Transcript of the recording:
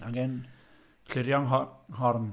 Angen clirio'n ngho- nghorn.